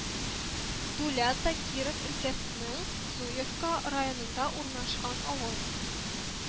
Дулята Киров өлкәсенең Зуевка районында урнашкан авыл